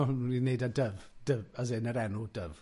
O'n i'n neud e dyf, dyf as in, yr enw dyf.